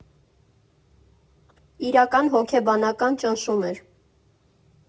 Իրական հոգեբանական ճնշում էր։